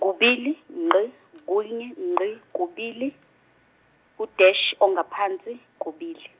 kubili ngqi kunye ngqi kubili, udeshi ongaphansi, kubili.